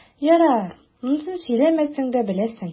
Ярар, монысын сөйләмәсәм дә беләсең.